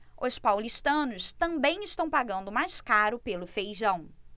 os paulistanos também estão pagando mais caro pelo feijão